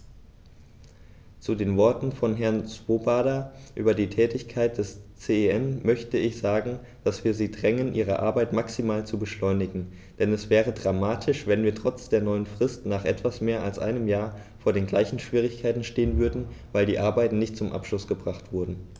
Zu den Worten von Herrn Swoboda über die Tätigkeit des CEN möchte ich sagen, dass wir sie drängen, ihre Arbeit maximal zu beschleunigen, denn es wäre dramatisch, wenn wir trotz der neuen Frist nach etwas mehr als einem Jahr vor den gleichen Schwierigkeiten stehen würden, weil die Arbeiten nicht zum Abschluss gebracht wurden.